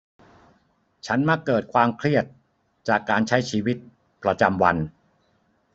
ฉันมักเกิดความเครียดจากการใช้ชีวิตประจำวัน